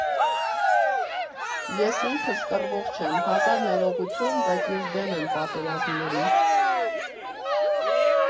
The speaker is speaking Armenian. Ես ինքս կռվող չեմ, հազար ներողություն, բայց ես դեմ եմ պատերազմներին։